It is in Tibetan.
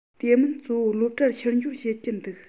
དེ མིན གཙོ བོ སློབ གྲྭར ཕྱི འབྱོར བྱེད ཀྱིན འདུག